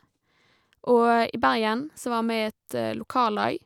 Og i Bergen så var jeg med i et lokallag.